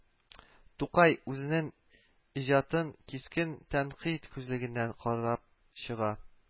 Тукай үзенең иҗатын кискен тәнкыйть күзлегеннән карап чыга